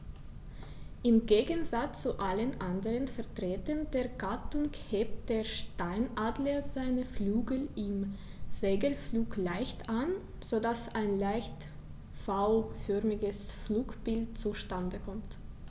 Im Gegensatz zu allen anderen Vertretern der Gattung hebt der Steinadler seine Flügel im Segelflug leicht an, so dass ein leicht V-förmiges Flugbild zustande kommt.